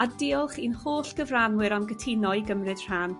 A diolch i'n holl gyfranwyr am cytuno i gymryd rhan.